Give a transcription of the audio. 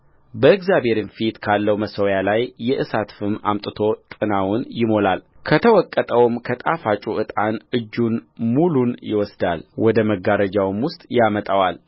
በእግዚአብሔርም ፊት ካለው መሠዊያ ላይ የእሳት ፍም አምጥቶ ጥናውን ይሞላል ከተወቀጠውም ከጣፋጭ ዕጣን እጁን ሙሉን ይወስዳል ወደ መጋረጃውም ውስጥ ያመጣዋል